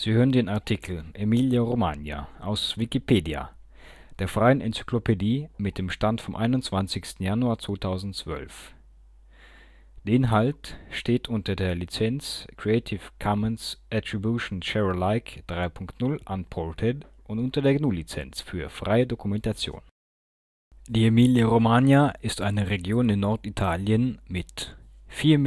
hören den Artikel Emilia-Romagna, aus Wikipedia, der freien Enzyklopädie. Mit dem Stand vom Der Inhalt steht unter der Lizenz Creative Commons Attribution Share Alike 3 Punkt 0 Unported und unter der GNU Lizenz für freie Dokumentation. Emilia-Romagna Basisdaten Hauptstadt Bologna Provinzen 9 Fläche 22.123,09 km² (6.) Einwohner 4.448.146 (31. Dez. 2015) Bevölkerungsdichte 201 Einwohner/km² Website www.regione.emilia-romagna.it ISO 3166-2 IT-45 Präsident Vasco Errani (PD) Karte Provinzen der Emilia-Romagna Die Emilia-Romagna ist eine Region in Norditalien mit 4.448.146